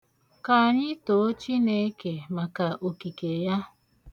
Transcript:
Ka anyị too Chineke maka okike ya.